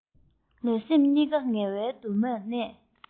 ལུས སེམས གཉིས ཀ ངལ བའི གདུང བས མནར